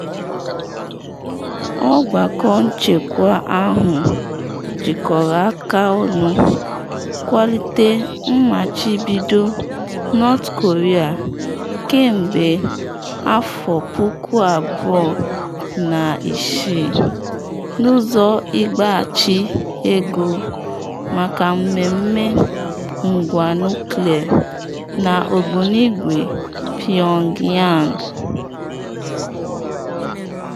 Ọgbakọ Nchekwa ahụ jikọrọ aka ọnụ kwalite mmachibido North Korea kemgbe 2006, n’ụzọ ịgbachi ego maka mmemme ngwa nuklịa na ogbunigwe Pyongyang.